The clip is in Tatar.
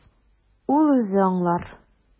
Ул үзе аңлар.